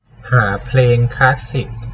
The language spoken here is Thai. หาเพลงคลาสสิค